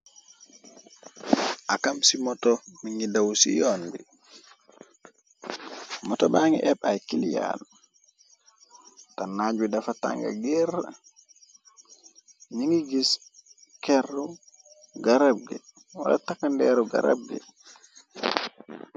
Akam ci moto mi ngi dawu ci yoon bi moto ba ngi épp ay kilyaal ta naaju dafa tànga géer ñungi gis kerru garab gi wala takkandeeru garab bi.